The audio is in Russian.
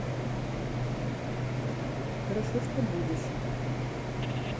хорошо что будешь